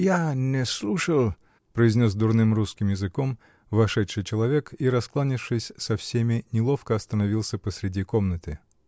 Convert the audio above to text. -- Я не слушиль, -- произнес дурным русским языком вошедший человек и, раскланявшись со всеми, неловко остановился посреди комнаты.